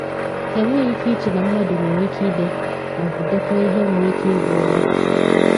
Ha enwgheghị ike ịche na mmadụ nwere ike ịde maọbụ dekọọ ihe nwere ịke ịbụ ụgha.